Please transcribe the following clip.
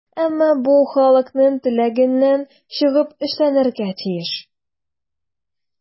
Әмма бу халыкның теләгеннән чыгып эшләнергә тиеш.